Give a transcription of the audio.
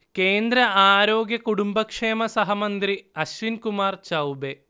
കേന്ദ്ര ആരോഗ്യ-കുടുംബക്ഷേമ സഹമന്ത്രി അശ്വിൻ കുമാർ ചൌബേ